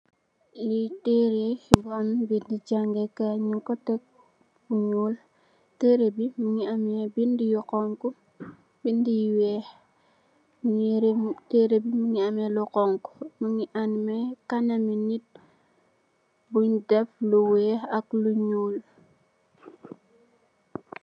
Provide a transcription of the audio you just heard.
Lee tereh bu am bede jagekay nugku tek fu nuul tereh be muge ameh bede yu xonxo bede yu weex tereh be muge ameh lu xonxo muge ameh kaname neet bun def lu weex ak lu nuul.